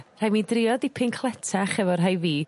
Rhaid fi drio dipyn cletach efo rhai fi.